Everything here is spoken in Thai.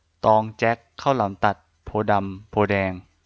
ตองแจ็คข้าวหลามตัดโพธิ์ดำโพธิ์แดง